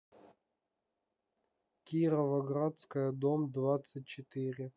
кировоградская дом двадцать четыре